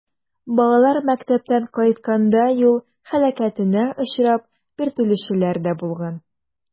Балалар мәктәптән кайтканда юл һәлакәтенә очрап, биртелүчеләр дә булган.